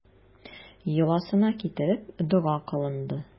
Йоласына китереп, дога кылынды.